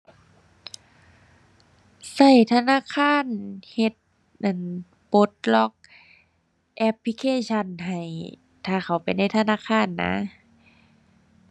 ใช้ธนาคารเฮ็ด อั่น ปลดล็อกแอปพลิเคชันให้ ถ้าเข้าไปในธนาคารนะ